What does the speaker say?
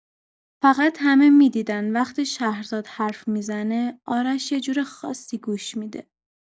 فقط همه می‌دیدن وقتی شهرزاد حرف می‌زنه، آرش یه جور خاصی گوش می‌ده.